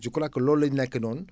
je crois que loolu la ñu nekk noonu